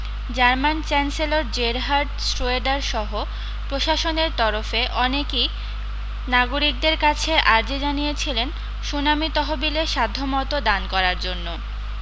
German chancellor Gerhard Schroeder সহ প্রশাসনের তরফে অনেকই নাগরিকদের কাছে আর্জি জানিয়েছিলেন সুনামি তহবিলে সাধ্য মতো দান করার জন্য